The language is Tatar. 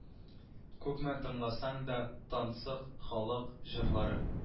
Күпме тыңласаң да тансык халык җырлары